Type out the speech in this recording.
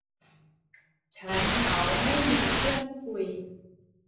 ฉันเหงาไม่มีเพื่อนคุย